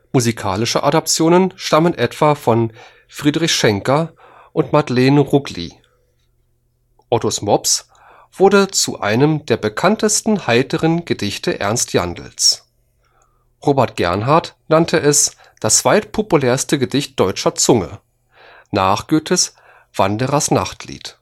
Musikalische Adaptionen stammen etwa von Friedrich Schenker und Madeleine Ruggli. ottos mops wurde zu einem der bekanntesten heiteren Gedichte Ernst Jandls. Robert Gernhardt nannte es „ das zweitpopulärste Gedicht deutscher Zunge […] nach Goethes Wanderers Nachtlied